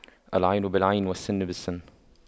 العين بالعين والسن بالسن